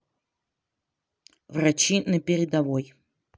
врачи на передовой